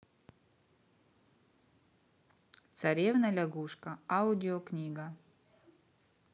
царевна лягушка аудиокнига